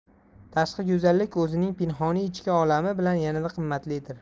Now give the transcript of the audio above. tashqi go'zallik o'zining pinhoniy ichki olami bilan yanada qimmatlidir